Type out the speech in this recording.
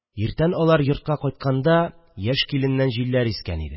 Иртән алар йортка кайтканда яшь киленнән җилләр искән иде